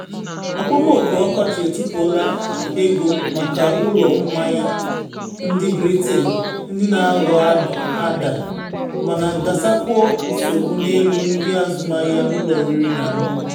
Okpomọkụ ọkọchị etipuola ego maka ụlọ mmanya ndị Britain ndị na aghọ ada mana dosakwuo nsogbu n’elu ndị azụmahịa ụlọ oriri na ọṅụṅụ.